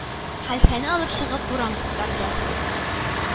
Хәлфәне алып чыгып, буран куптарды.